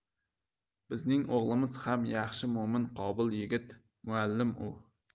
bizning o'g'limiz ham yaxshi mo'min qobil yigit muallim u